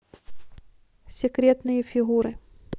секретные фигуры